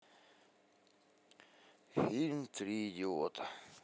фильм три идиота